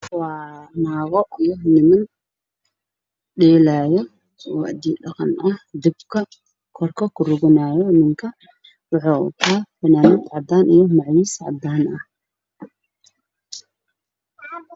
Waa niman iyo naago oo sameynayaan hindi iyo dhaqanka